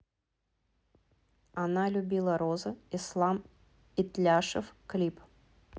она любила розы ислам итляшев клип